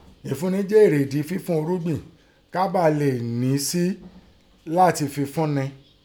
Ẹ̀fúnni jẹ́ èrèèdí fẹfú ẹrúgbìn, ká bàa léè nẹ́ sí i látin fẹfun nẹ.